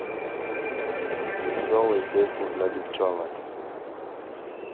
веселые песни для девчонок